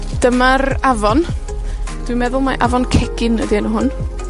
Dyma'r afon. Dwi'n meddwl mai Afon Cegin ydi enw hwn.